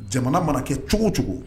Jamana mana kɛ cogo cogo